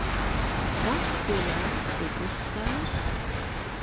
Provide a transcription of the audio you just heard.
lastbilar og bussar